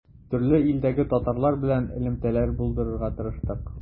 Төрле илдәге татарлар белән элемтәләр булдырырга тырыштык.